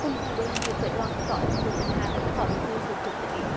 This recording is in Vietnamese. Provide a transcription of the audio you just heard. cùng dự buổi làm việc với đoàn có ông bùi thanh hà phó bí thư thường trực tỉnh ủy